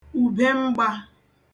ùbemgbā